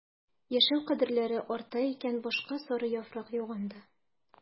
Яшәү кадерләре арта икән башка сары яфрак яуганда...